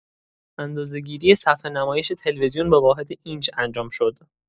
اندازه‌گیری صفحه‌نمایش تلویزیون با واحد اینچ انجام شد.